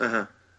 Yhy.